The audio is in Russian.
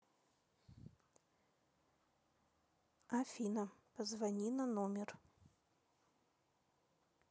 афина позвони на номер